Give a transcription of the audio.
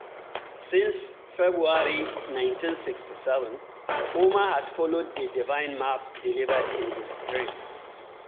Since February 1967, Ouma has followed the divine map delivered in his dream.